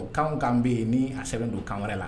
kan kan be yen ni a sɛbɛnnen don kan wɛrɛ la